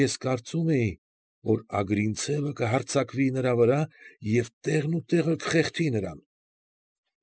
Ես կարծում էի, որ Ագրինցևը կհարձակվի նրա վրա և տեղն ու տեղը կխեղդի նրան։